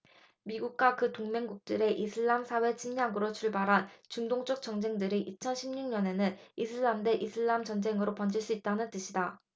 미국과 그 동맹국들의 이슬람사회 침략으로 출발한 중동 쪽 전쟁들이 이천 십 육 년에는 이슬람 대 이슬람 전쟁으로 번질 수도 있다는 뜻이다